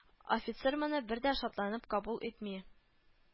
Офицер моны бер дә шатланып кабул итми